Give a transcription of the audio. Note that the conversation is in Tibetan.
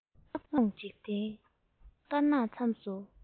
སྔ དགོང འཇིག རྟེན དཀར ནག མཚམས སུ